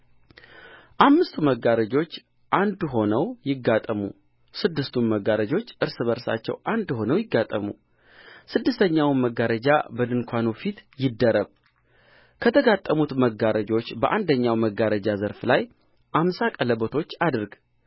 አምስቱ መጋረጆች አንድ ሆነው ይጋጠሙ ስድስቱም መጋረጆች እርስ በርሳቸው አንድ ሆነው ይጋጠሙ ስድስተኛውም መጋረጃ በድንኳኑ ፊት ይደረብ ከተጋጠሙት መጋረጆች በአንደኛው መጋረጃ ዘርፍ ላይ አምሳ ቀለበቶች አድርግ